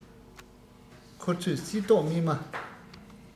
མཁུར ཚོས སིལ ཏོག སྨིན མ